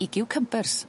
i giwcymbyrs